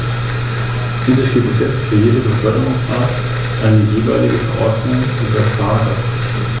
Die erste Herausforderung ist die Harmonisierung der nationalen Raumordnungs- und der regionalen Entwicklungspolitiken.